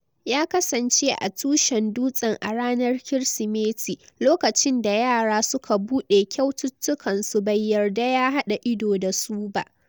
Ya kasance a tushen dutsen a ranar Kirsimeti - lokacin da yara suka bude kyaututtukan su bai yarda ya hada ido da su ba,”